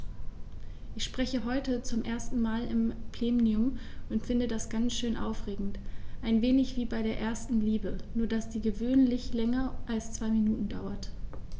Ich spreche heute zum ersten Mal im Plenum und finde das ganz schön aufregend, ein wenig wie bei der ersten Liebe, nur dass die gewöhnlich länger als zwei Minuten dauert.